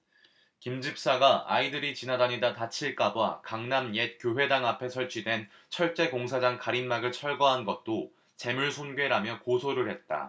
김 집사가 아이들이 지나다니다 다칠까 봐 강남 옛 교회당 앞에 설치된 철제 공사장 가림막을 철거한 것도 재물손괴라며 고소를 했다